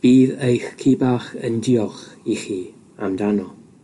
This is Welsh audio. Bydd eich ci bach yn diolch i chi amdano.